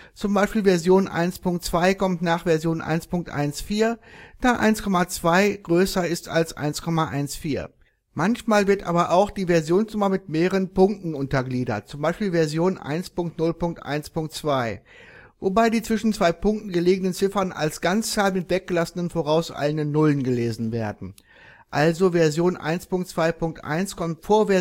z. B. Version 1.2 kommt nach Version 1.14, da 1,2 > 1,14), manchmal wird aber auch die Versionsnummer mit mehreren Punkten untergliedert (z. B. Version 1.0.1.2), wobei die zwischen zwei Punkten gelegenen Ziffern als Ganzahlen mit weggelassenen vorauseilenden Nullen gelesen werden (also Version 1.2.1 kommt vor